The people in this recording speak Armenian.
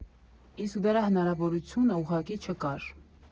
Իսկ դրա հնարավորությունը ուղղակի չկար։